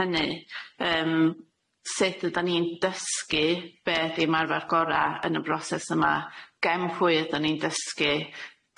hynny yym sud ydan ni'n dysgu be' ydi ymarfer gora' yn y broses yma, gen pwy ydan ni'n dysgu,